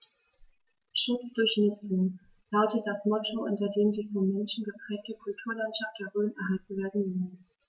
„Schutz durch Nutzung“ lautet das Motto, unter dem die vom Menschen geprägte Kulturlandschaft der Rhön erhalten werden soll.